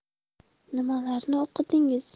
nimalarni o'qidingiz